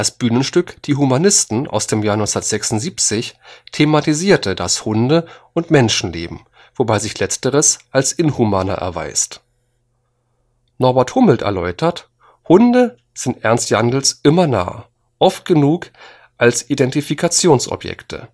Bühnenstück die humanisten aus dem Jahr 1976 thematisierte das Hunde - und Menschenleben, wobei sich letzteres als inhumaner erweist. Norbert Hummelt erläuterte: „ Hunde sind Ernst Jandl immer nah, oft genug als Identifikationsobjekte